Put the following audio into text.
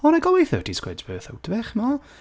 Well I got thirty quids worth out of it, chimod?